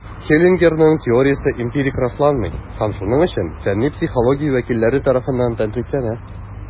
Хеллингерның теориясе эмпирик расланмый, һәм шуның өчен фәнни психология вәкилләре тарафыннан тәнкыйтьләнә.